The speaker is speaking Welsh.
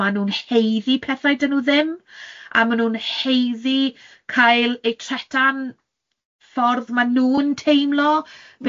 ma' nhw'n haeddu pethau 'dyn nhw ddim, a ma' nhw'n haeddu cael eu tretan ffordd ma' nhw'n teimlo... M-hm